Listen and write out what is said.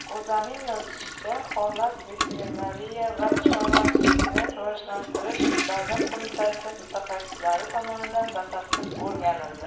o'zaning yozishicha holat veterinariya va chorvachilikni rivojlantirish davlat qo'mitasi mutaxassislari tomonidan batafsil o'rganildi